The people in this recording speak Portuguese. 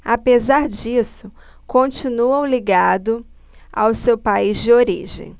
apesar disso continua ligado ao seu país de origem